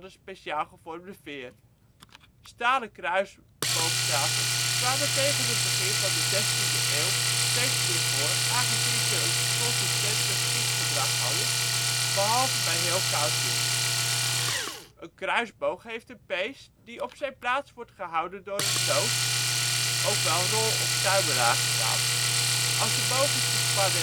speciaal gevormde veer. Stalen boogstaven kwamen tegen het begin van de 16e eeuw steeds meer voor aangezien ze een consistenter schietgedrag hadden, behalve bij heel koud weer. Een kruisboog heeft een pees die op zijn plaats wordt gehouden door een noot (ook wel rol of tuimelaar genaamd) als de boog is gespannen